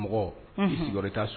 Mɔgɔ wari taa so